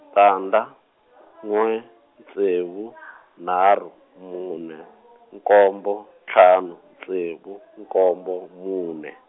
tandza, n'we ntsevu nharhu mune nkombo ntlhanu ntsevu nkombo mune.